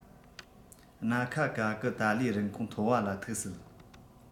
སྣ ཁ ག གི ད ལོའི རིན གོང མཐོ བ ལ ཐུག སྲིད